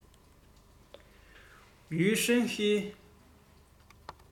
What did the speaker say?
ཡུས ཀྲེང ཧྲེང